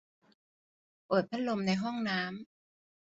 เปิดพัดลมในห้องน้ำ